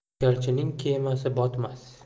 tavakkalchining kemasi botmas